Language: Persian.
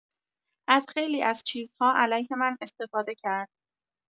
از خیلی از چیزها علیه من استفاده کرد.